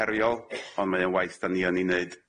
heriol on' mae o'n waith dan ni yn ei neud.